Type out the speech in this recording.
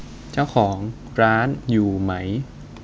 เจ้าของร้านอยู่ไหม